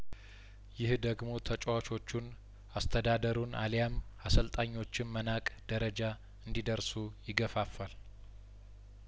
ይህ ደግሞ ተጫዋቾቹን አስተዳደሩን አሊያም አሰልጣኞችን መናቅ ደረጃ እንዲ ደርሱ ይገፋፋል